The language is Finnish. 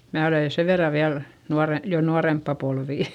minä olen sen verran vielä - jo nuorempaa polvea